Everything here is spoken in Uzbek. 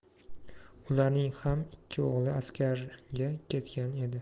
ularning ham ikki o'g'li askarga ketgan edi